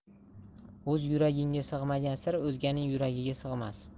o'z yuragingga sig'magan sir o'zganing yuragiga sig'mas